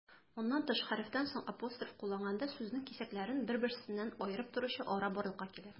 Моннан тыш, хәрефтән соң апостроф кулланганда, сүзнең кисәкләрен бер-берсеннән аерып торучы ара барлыкка килә.